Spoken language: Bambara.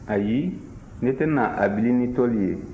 ayi ne tɛna a bili ni toli ye